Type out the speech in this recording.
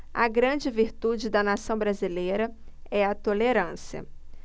a grande virtude da nação brasileira é a tolerância